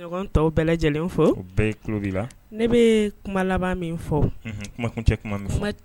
Dɔgɔ tɔw bɛɛ lajɛlen fo, u tulo b'i la, ne bɛ kuma laban min fɔ, unhun, kuma kun cɛ kuma